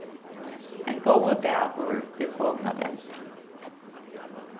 ein góður dagur er komin at enda